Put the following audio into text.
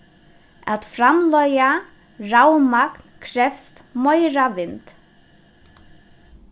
at framleiða ravmagn krevst meira vind